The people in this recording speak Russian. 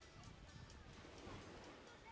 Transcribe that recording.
день проходит отлично у тебя как